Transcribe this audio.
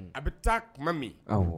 A bɛ taa kuma min